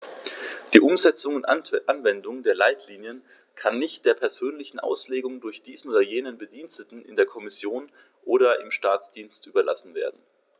Die Umsetzung und Anwendung der Leitlinien kann nicht der persönlichen Auslegung durch diesen oder jenen Bediensteten in der Kommission oder im Staatsdienst überlassen werden.